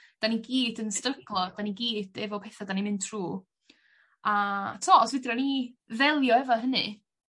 'Dan ni i gyd yn stryglo 'dan ni gyd efo petha 'dan ni mynd trw' a 'to os fedrwn i ddelio efo hynny